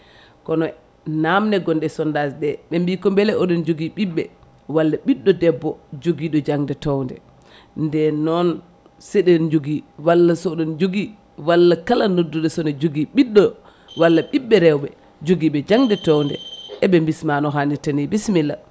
kono namde gonɗe sondage ɗe ɓe mbi ko beele oɗon jogui ɓiɓɓe walla ɓiɗɗo debbo joguiɗo jangde towde nden noon seɗen jogui walla so oɗon jogui walla kala nodduɗo sene jogui ɓiɗɗo walla ɓiɓɓe rewɓe joguiɓe jangde towde eɓe bisma no hannirta ni bisimilla